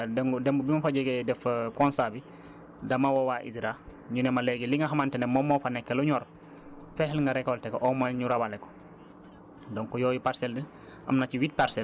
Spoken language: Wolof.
lekk nañ ci yàq nañ ci lu bëree bëree bëri démb démb bi ma fa jógee def fa constat bi dama woo waa ISRA ñu ne ma léegi li nga xamante ne moom moo fa nekk lu ñor fexeel nga récolter ko au moins ñu rawale ko